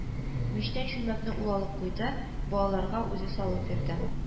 Мичтән чүлмәкне ул алып куйды, балаларга үзе салып бирде